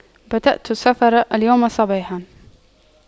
بدأت السفر اليوم صباحا